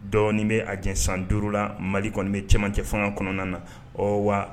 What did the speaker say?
Dɔɔnin bɛ a jɛ san 5 la Mali kɔni bɛ cɛmancɛ faŋa kɔnɔna na ɔ wa